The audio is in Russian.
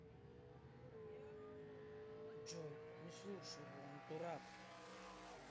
джой не слушай его он дурак